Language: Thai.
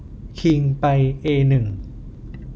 คิงไปเอหนึ่ง